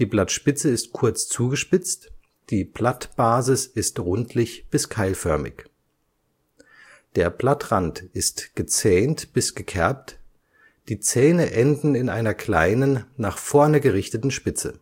die Blattspitze ist kurz zugespitzt, die Blattbasis ist rundlich bis keilförmig. Der Blattrand ist gezähnt bis gekerbt, die Zähne enden in einer kleinen, nach vorne gerichteten Spitze